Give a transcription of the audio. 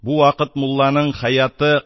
Бу вакыт мулланың хәяты